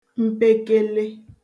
mpekele